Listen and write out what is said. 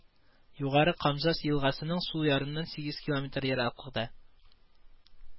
Югары Камзас елгасының сул ярыннан сигез километр ераклыкта